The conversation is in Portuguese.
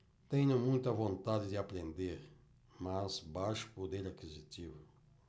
tenho muita vontade de aprender mas baixo poder aquisitivo